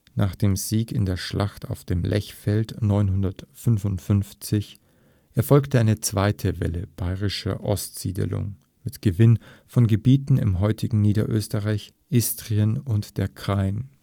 Nach dem Sieg in der Schlacht auf dem Lechfeld 955 erfolgte eine zweite Welle baierischer Ostsiedlung mit Gewinn von Gebieten im heutigen Niederösterreich, Istrien und der Krain